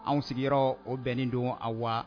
An sigiyɔrɔ o bɛnnen don a wa